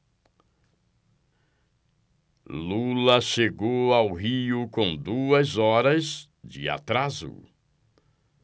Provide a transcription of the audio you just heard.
lula chegou ao rio com duas horas de atraso